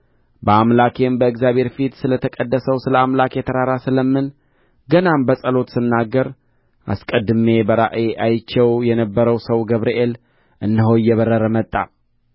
በአምላኬም በእግዚአብሔር ፊት ስለ ተቀደሰው ስለ አምላኬ ተራራ ስለምን ገናም በጸሎት ስናገር አስቀድሜ በራእይ አይቼው የነበረው ሰው ገብርኤል እነሆ እየበረረ መጣ